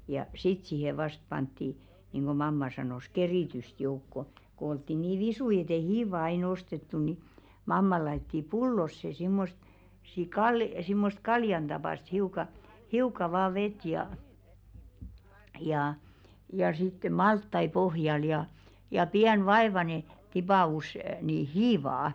ja sitten siihen vasta pantiin niin kuin mamma sanoi keritystä joukkoon kun oltiin niin visuja että ei hiivaa aina ostettu niin mamma laittoi pullollisen semmoista -- semmoista kaljan tapaista hiukan hiukan vain vettä ja ja ja sitten maltaita pohjalle ja ja pieni vaivainen tipaus niin hiivaa